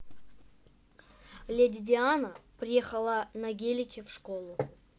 леди диана приехала на гелике в школу